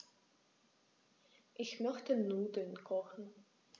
Ich möchte Nudeln kochen.